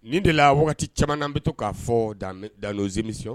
Nin de la wagati caman bɛ to k'a fɔ danemisɔn